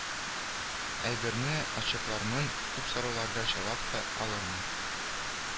Әйберне ачыклармын, күп сорауларга җавап таба алырмын